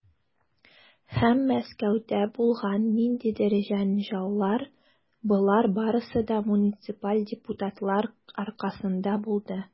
Һәм Мәскәүдә булган ниндидер җәнҗаллар, - болар барысы да муниципаль депутатлар аркасында булды.